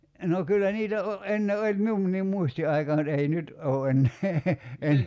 no kyllä niitä - ennen oli minunkin muistin aikaan mutta ei nyt ole enää en